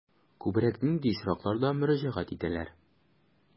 Күбрәк нинди очракларда мөрәҗәгать итәләр?